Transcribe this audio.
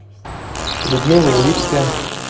людмила улицкая